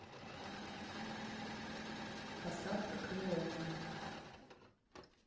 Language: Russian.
посадка клеому